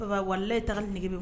Wa ale e taara n nɛgɛge